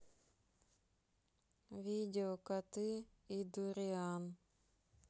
видео коты и дуриан